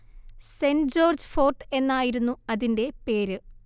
saint George fort എന്നായിരുന്നു അതിന്റെ പേര്